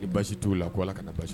A ni basi t' la k ko ala kana basi